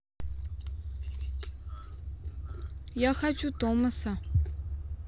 я хочу томаса